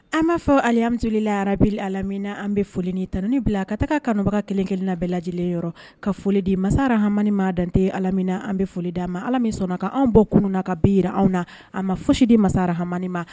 An b'a fɔ alihamidu laahi rabili aalamina an bɛ foli ni tanu bila ka taga kanubaga bɛlajɛlen kelen o kelen yɔrɔ, ka foli di masa rahamani ma dan tɛ allah min na allah min sɔnna ka anw bɔ kunun na k'an bila bi la ,an ma fosi di masa rahamani ma.